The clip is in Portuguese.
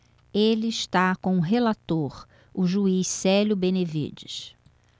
ele está com o relator o juiz célio benevides